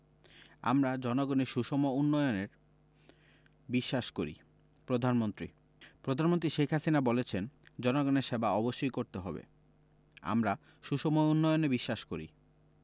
আমরা জনগণের সুষম উন্নয়নে বিশ্বাস করি প্রধানমন্ত্রী প্রধানমন্ত্রী শেখ হাসিনা বলেছেন জনগণের সেবা অবশ্যই করতে হবে আমরা সুষম উন্নয়নে বিশ্বাস করি